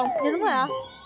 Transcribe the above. dạ đúng rồi ạ